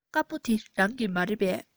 དཀར པོ འདི རང གི མ རེད པས